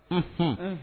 Unɔn